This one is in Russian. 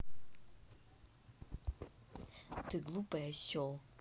ты глупый осел